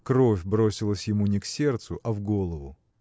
кровь бросилась ему не к сердцу, а в голову.